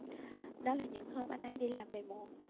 đó là những hôm anh ấy đi làm về muộn